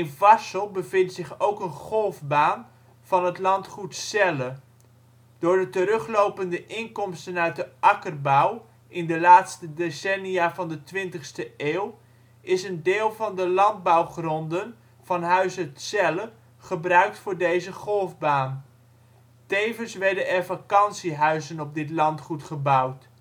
Varssel bevindt zich ook een golfbaan van het landgoed Zelle. Door de teruglopende inkomsten uit de akkerbouw in de laatste decennia van de 20e eeuw is een deel van de landbouwgronden van huize ' t Zelle gebruikt voor deze golfbaan. Tevens werden er vakantiehuizen op dit landgoed gebouwd